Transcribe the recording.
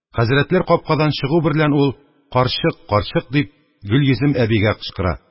Хәзрәтләр капкадан чыгу берлән, ул: «Карчык, карчык!» – дип, Гөлйөзем әбигә кычкыра;